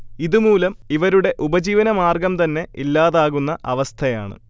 ഇതുമൂലം ഇവരുടെ ഉപജീവനമാർഗം തന്നെ ഇല്ലാതാകുന്ന അവസഥയാണ്